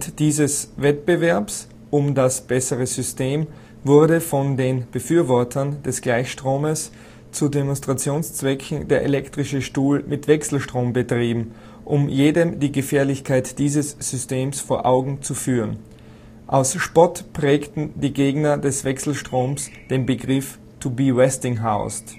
dieses Wettbewerbs um das bessere System wurde von den Befürwortern des Gleichstromes zu Demonstrationszwecken der elektrische Stuhl mit Wechselstrom betrieben, um jedem die Gefährlichkeit dieses Systemes vor Augen zu führen. Aus Spott prägten die Gegner des Wechselstromes den Begriff to be westinghoused